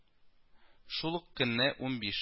Шул ук көнне унбиш